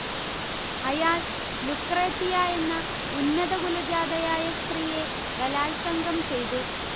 അയാൾ ലുക്രേത്തിയ എന്ന ഉന്നതകുലജാതയായ സ്ത്രീയെ ബലാത്സംഗം ചെയ്തു